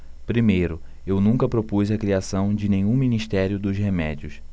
primeiro eu nunca propus a criação de nenhum ministério dos remédios